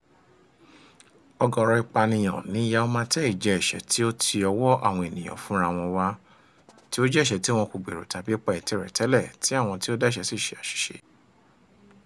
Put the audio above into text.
Ọ̀gọ̀rọ̀ ìpànìyàn ní Yau Ma Tei jẹ́ ẹsẹ̀ tí ó ti ọwọ́ àwọn ènìyàn fún ra wọn wá, tí ó jẹ́ ẹsẹ̀ tí wọn kò gbèrò tàbí pa ète rẹ̀ tẹ́lẹ̀, tí àwọn tí ó dá ẹ̀ṣẹ̀ sì ṣe àṣìṣe.